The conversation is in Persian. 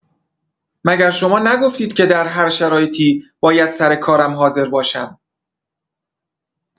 مگر شما نگفتید که در هر شرایطی باید سر کارم حاضر باشم؟!